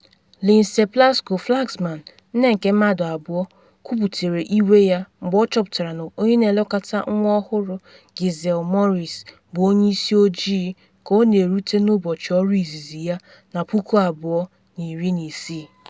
Lynsey Plasco-Flaxman, nne nke mmadụ abụọ, kwuputere iwe ya mgbe ọ chọpụtara na onye na elekọta nwa ọhụrụ, Giselle Maurice, bụ onye isi ojii ka ọ na erute n’ụbọchị ọrụ izizi ya na 2016.